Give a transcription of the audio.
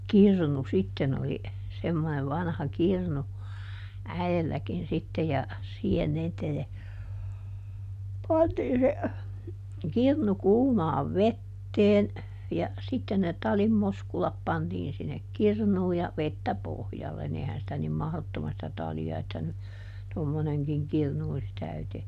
kirnu sitten oli semmoinen vanha kirnu äidilläkin sitten ja siihen niitä ja pantiin se kirnu kuumaan veteen ja sitten ne talin moskulat pantiin sinne kirnuun ja vettä pohjalle niin eihän sitä niin mahdottomasti sitä talia että nyt tommoinenkin kirnu olisi täyteen